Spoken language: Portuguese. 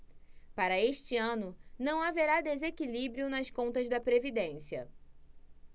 para este ano não haverá desequilíbrio nas contas da previdência